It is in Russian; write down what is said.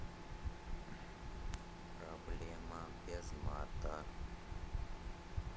проблема без мата